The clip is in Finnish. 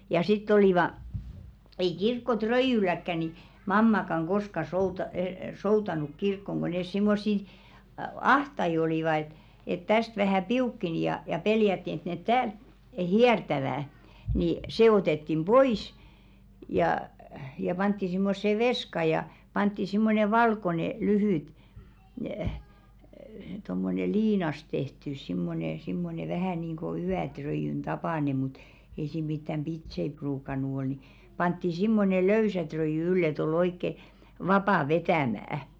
ja sitten olivat ei kirkkoröijylläkään niin mammakaan koskaan - soutanut kirkkoon kun ne semmoisia ahtaita olivat että että tästä vähän piukkeni ja ja pelättiin että ne täältä hiertävät niin se otettiin pois ja ja pantiin semmoiseen veskaan ja pantiin semmoinen valkoinen lyhyt tuommoinen liinasta tehty semmoinen semmoinen vähän niin kuin yöröijyn tapainen mutta ei siinä mitään pitsejä ruukannut olla niin pantiin semmoinen löysä röijy ylle että oli oikein vapaa vetämään